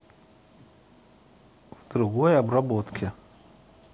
в другой обработке